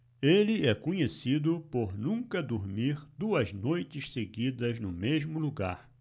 ele é conhecido por nunca dormir duas noites seguidas no mesmo lugar